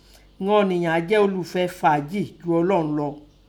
Ìghan ọ̀niyan áá jẹ́ ọlùfẹ́ faaji ju Ọlọun lọ